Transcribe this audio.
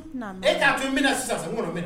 E t'a kun n bɛna sisan so kɔnɔ